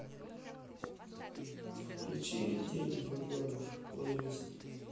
включи день влюбленных плейлист